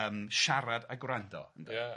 Yym siarad a grando, ynde? Ia.